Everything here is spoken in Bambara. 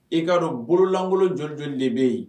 E k'a dɔn bololangolo jɔnfi de bɛ yen